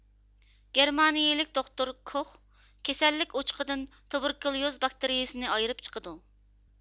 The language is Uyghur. گېرمانىيىلىك دوختۇر كوخ كېسەللىك ئوچىقىدىن تۇبېركۇليۇز باكتىرىيىسىنى ئايرىپ چىقىدۇ